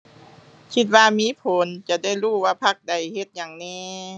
คิดว่ามีผล จะได้รู้ว่าพรรคใดเฮ็ดหยังแหน่